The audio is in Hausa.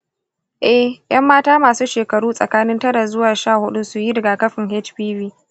eh, ‘yan mata masu shekaru tsakanin tara zuwa sha hudu su yi rigakafin hpv.